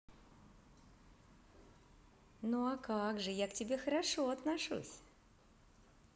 ну а как я же к тебе хорошо отношусь